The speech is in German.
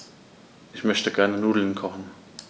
Ich möchte gerne Nudeln kochen.